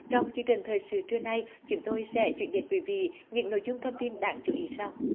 trong chương trình thời sự trưa nay chúng tôi sẽ chuyển đến quý vị những nội dung thông tin đáng chú ý sau